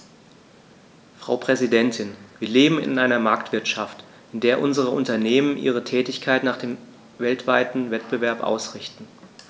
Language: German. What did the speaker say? Frau Präsidentin, wir leben in einer Marktwirtschaft, in der unsere Unternehmen ihre Tätigkeiten nach dem weltweiten Wettbewerb ausrichten.